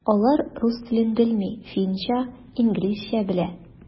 Алар рус телен белми, финча, инглизчә белә.